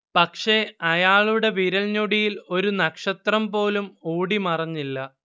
പക്ഷേ, അയാളുടെ വിരൽഞൊടിയിൽ ഒരു നക്ഷത്രംപോലും ഓടിമറഞ്ഞില്ല